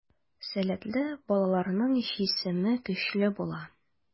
Сәләтле балаларның җисеме көчле була.